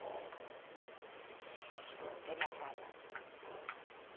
привет падла